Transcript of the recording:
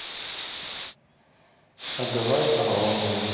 давайте а он в